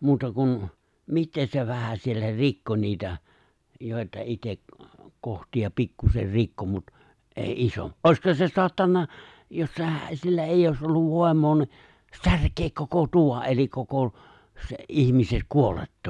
muuta kuin mitä se vähän siellä rikkoi niitä joita itse kohtia pikkuisen rikkoi mutta ei - olisihan se saattanut jos sehän sillä ei olisi ollut voimaa niin särkeä koko tuvan eli koko sen ihmisen kuolettaa